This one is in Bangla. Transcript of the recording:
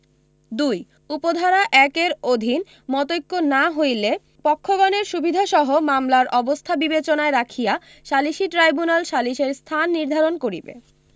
২ উপ ধারা ১ এর অধীন মতৈক্য না হইলে পক্ষগণের সুবিধাসহ মামলার অবস্থা বিবেচনায় রাখিয়া সালিসী ট্রইব্যুনাল সালিসের স্থান নির্ধারণ করিবে